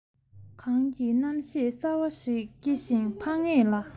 གངས ཀྱི རྣམ ཤེས གསར བ ཞིག སྐྱེ ཞིང འཕགས ངེས ལ